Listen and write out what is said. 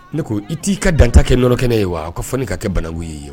Ne ko i t'i ka dan kɛ nɔnɔ kɛnɛ ye wa a ka fɔ ne ka kɛ bana ye